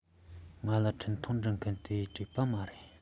ང ལ འཕྲིན ཐུང བསྐུར མཁན དེས བྲིས པ མ རེད